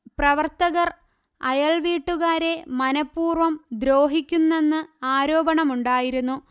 പ്രവർത്തകർ അയൽ വീട്ടുകാരെ മനഃപൂർവ്വം ദ്രോഹിക്കുന്നെന്ന് ആരോപണമുണ്ടായിരുന്നു